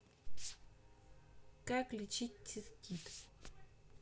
как лечить цистит